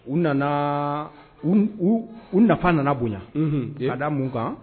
U nana u nafa nana bonyayan laadada mun kan